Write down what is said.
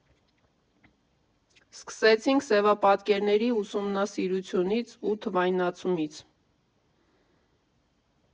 Սկսեցինք սևապատկերների ուսումնասիրությունից ու թվայնացումից։